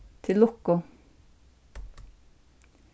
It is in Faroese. til lukku